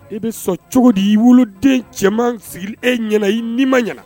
E bɛ sɔn cogo di'i woloden cɛman sigi e ɲɛna i ni ma ɲɛna